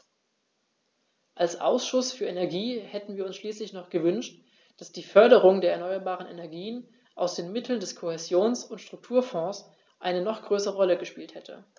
Als Ausschuss für Energie hätten wir uns schließlich noch gewünscht, dass die Förderung der erneuerbaren Energien aus den Mitteln des Kohäsions- und Strukturfonds eine noch größere Rolle gespielt hätte.